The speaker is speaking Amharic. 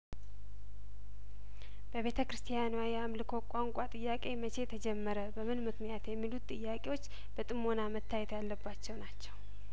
በቤተ ክርስቲያኗ የአምልኮ ቋንቋ ጥያቄ መቼ ተጀመረ በምንምክንያት የሚሉት ጥያቄዎች በጥሞና መታየት ያለባቸው ናቸው